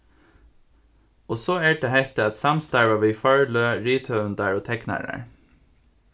og so er tað hetta at samstarva við forløg rithøvundar og teknarar